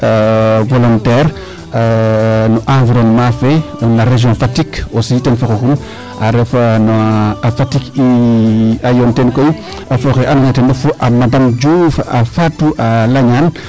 volontaire no environnement fee na region Fatick aussi ten fa xoxum a ref no Fatick i a yoon ten koy fo oxe ando naye ten refu a madame Diouf Fatou Landiane